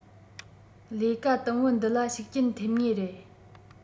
ལས ཀ དུམ བུ འདི ལ ཤུགས རྐྱེན ཐེབས ངེས རེད